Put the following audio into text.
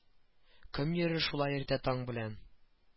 Кем йөрер шулай иртә таң белән